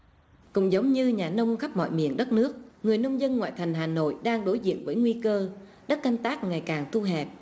cũng giống như nhà nông khắp mọi miền đất nước người nông dân ngoại thành hà nội đang đối diện với nguy cơ đất canh tác ngày càng thu hẹp